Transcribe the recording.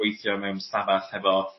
gweithio mewn stafall hefo